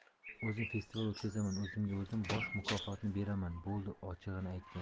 o'zim festival o'tkazaman o'zimga o'zim bosh mukofotni beraman bo'ldi ochig'ini aytganda